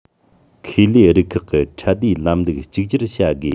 ཁེ ལས རིགས ཁག གི ཁྲལ བསྡུའི ལམ ལུགས གཅིག གྱུར བྱ དགོས